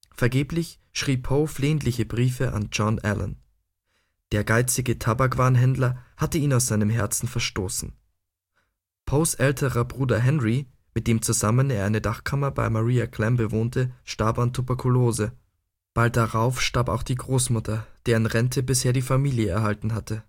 Vergeblich schrieb Poe flehentliche Briefe an John Allan. Der geizige Tabakkaufmann hatte ihn aus seinem Herzen verstoßen. Poes älterer Bruder Henry, mit dem zusammen er eine Dachkammer bei Maria Clemm bewohnte, starb an Tuberkulose. Bald darauf starb auch die Großmutter, deren Rente bisher die Familie erhalten hatte